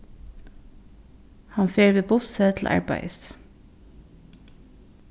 hann fer við bussi til arbeiðis